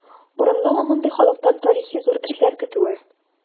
Урынлымы мондый халыктан тарихи зур эшләр көтүе?